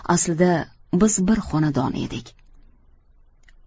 aslida biz bir xonadon edik